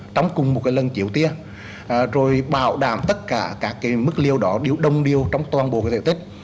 trong cùng một cái lần chiếu tia ờ rồi bảo đảm tất cả các cái mức liều đó điều đồng điệu trong toàn bộ cái thể tích